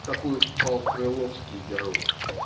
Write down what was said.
в какую впал крыловский герой.